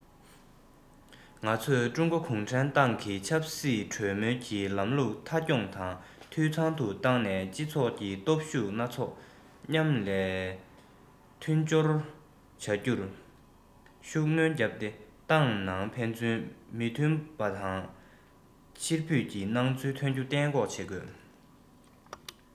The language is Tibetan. ང ཚོས ཀྲུང གོ གུང ཁྲན ཏང གིས ཆབ སྲིད གྲོས མོལ གྱི ལམ ལུགས མཐའ འཁྱོངས དང འཐུས ཚང དུ བཏང ནས སྤྱི ཚོགས ཀྱི སྟོབས ཤུགས སྣ ཚོགས མཉམ ལས མཐུན སྦྱོར བྱ རྒྱུར ཤུགས སྣོན བརྒྱབ སྟེ ཏང ནང ཕན ཚུན མི མཐུན པ དང ཕྱིར འབུད ཀྱི སྣང ཚུལ ཐོན རྒྱུ གཏན འགོག བྱེད དགོས